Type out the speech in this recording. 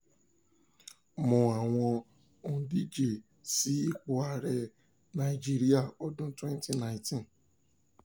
Mọ àwọn òǹdíje sí ipò ààrẹ Nàìjíríà ọdún 2019